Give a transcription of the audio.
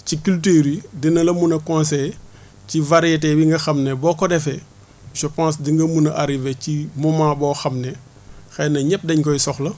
ci culture yi dina la mun a conseiller ci variété yi nga xam ne boo ko defee je pense di nga mun a arriver ci moment boo xam ne xëy na ñëpp dañ koy soxla